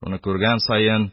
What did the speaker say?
Шуны кургән саен,